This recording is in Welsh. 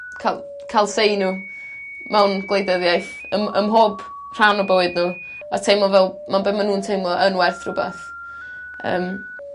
ca'l ca'l say n'w mewn gwleidyddiaeth ym ym mhob rhan o bywyd n'w a teimlo fel ma' be' ma' nw'n teimlo yn werth rhwbath. Yym.